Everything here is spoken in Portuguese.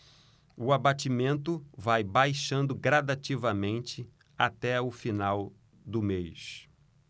o abatimento vai baixando gradativamente até o final do mês